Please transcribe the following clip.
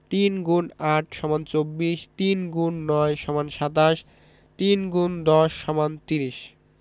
৩ X ৮ = ২৪ ৩ X ৯ = ২৭ ৩ ×১০ = ৩০